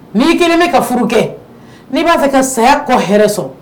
N'i'i kelen bɛ ka furu kɛ n'i b'a fɛ ka saya kɔ hɛrɛɛ sɔrɔ